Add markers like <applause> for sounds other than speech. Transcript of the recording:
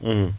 <hesitation> <hesitation>